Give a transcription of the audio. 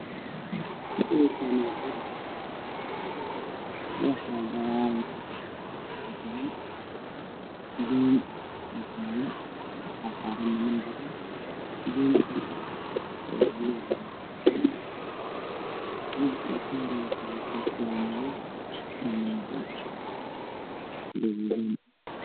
Meshaan waxaa yaalo labo kabood mid midab kiisu yahay madow Kan kalana midib kiisa yahay cadaan